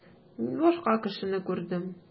Мин башка кешене күрдем.